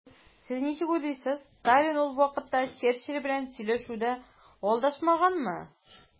Сез ничек уйлыйсыз, Сталин ул вакытта Черчилль белән сөйләшүдә алдашмаганмы?